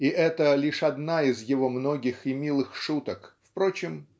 и это лишь одна из его многих и милых шуток впрочем